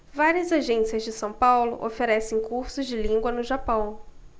várias agências de são paulo oferecem cursos de língua no japão